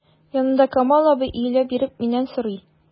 Янымда— Камал абый, иелә биреп миннән сорый.